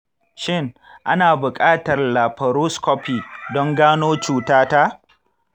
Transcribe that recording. shin ana buƙatar laparoscopy don gano cutata?